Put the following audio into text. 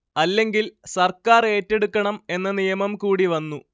അല്ലെങ്കിൽ സർക്കാർ ഏറ്റെടുക്കണം എന്ന നിയമം കൂടി വന്നു